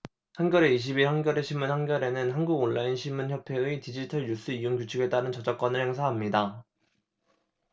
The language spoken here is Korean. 한겨레 이십 일 한겨레신문 한겨레는 한국온라인신문협회의 디지털뉴스이용규칙에 따른 저작권을 행사합니다